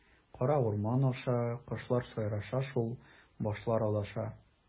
Кара урман аша, кошлар сайраша шул, башлар адаша.